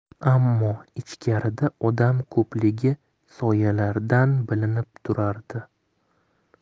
ammo ichkarida odam ko'pligi soyalardan bilinib turardi